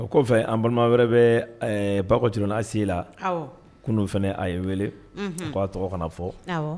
O kɔfɛ an balima wɛrɛ bɛ Bak Jikɔrɔni ACI la, awɔ, kunun, fana a n ye weele k''a tɔgɔ kana fɔ, unhun.